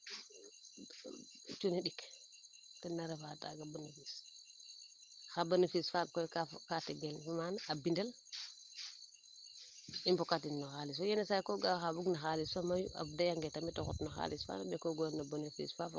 cunni ndik ten na refa taaga benefice xa benefice faaga koy ka tegel maana a bindel i mboka tin no xalis yeeni saay ko ga'a xaa bug na xalis fa mayu a doya nge tamit o xot na xalis faana mbekoog na benefice